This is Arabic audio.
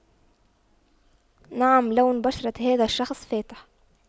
نعم لون بشرة هذا الشخص فاتح